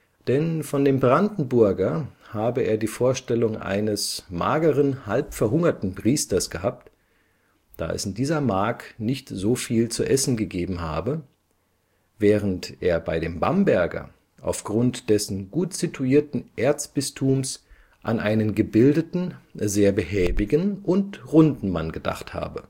Denn von dem Brandenburger habe er die Vorstellung eines „ mageren, halbverhungerten Priesters “gehabt, da es in der Mark nicht so viel zu essen gegeben habe, während er bei dem Bamberger aufgrund dessen gutsituierten Erzbistums an einen gebildeten, sehr behäbigen und runden Mann gedacht habe